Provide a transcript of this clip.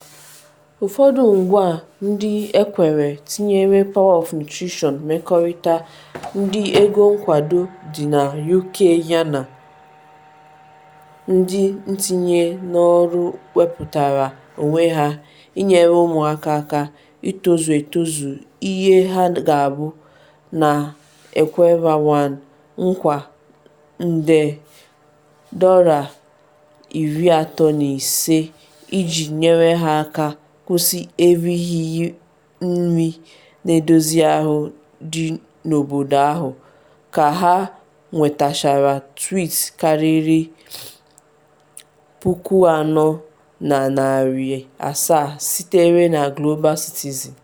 Ụfọdụ nkwa ndị ekwere tinyere Power of Nutrition, mmekọrịta ndị ego nkwado dị na U.K yana ndị ntinye n’ọrụ wepụtara onwe ha “inyere ụmụaka aka itozu etozu ihe ha ga-abụ,” na-ekwe Rwanda nkwa nde $35 iji nyere ha aka kwụsị erighị nri na-edozi ahụ dị n’obodo ahụ ka ha nwetachara tweet karịrị 4,700 sitere na Global Citizen.